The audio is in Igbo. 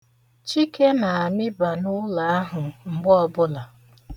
Chike na-amịba n'ụlọ ahụ mgbe ọbụla.